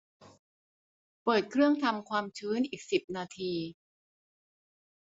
เปิดเครื่องทำความชื้นอีกสิบนาที